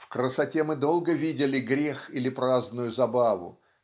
В красоте мы долго видели грех или праздную забаву.